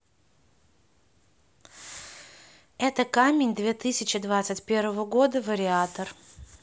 это камень две тысячи двадцать первого года вариатор